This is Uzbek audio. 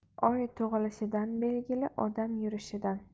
oy tug'ilishidan belgili odam yurishidan